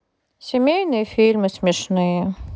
семейные фильмы смешные